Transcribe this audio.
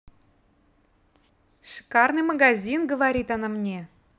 шикарный магазин говорит она мне